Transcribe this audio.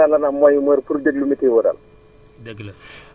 benn problème daal la ñu am mooy mooy pour déglu météo daal